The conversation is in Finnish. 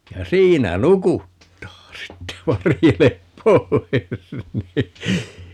ja siinä nukuttaa sitten varjele pois niin